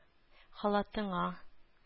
Халатыңа